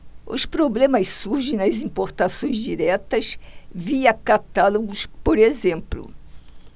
os problemas surgem nas importações diretas via catálogos por exemplo